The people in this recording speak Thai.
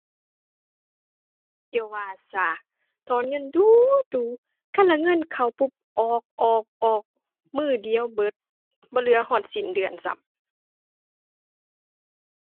อย่าว่าซะ ถอนเงินดู๋ดู๋ คันเอาเงินเข้าปุ๊บ ออก ออก ออก มื้อเดียวเบิด บ่เหลือฮอดสิ้นเดือนซ้ำ